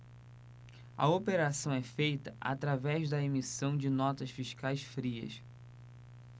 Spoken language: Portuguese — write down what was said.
a operação é feita através da emissão de notas fiscais frias